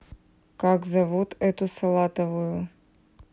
как зовут эту салатовую